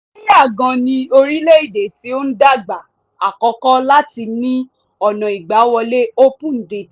Kenya gan ni orílẹ̀-èdè tí-ó-ń-dàgbà àkọ́kọ́ láti ní ọ̀nà ìgbàwọlé Open Data.